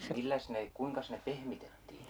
milläs ne kuinkas ne pehmitettiin